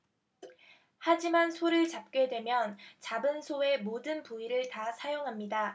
하지만 소를 잡게 되면 잡은 소의 모든 부위를 다 사용합니다